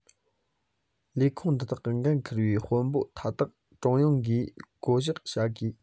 ལས ཁུངས འདི དག གི འགན ཁུར བའི དཔོན པོ མཐའ དག ཀྲུང དབྱང གིས བསྐོ བཞག བྱ དགོས